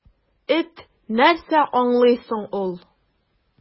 Эт нәрсә аңлый соң ул!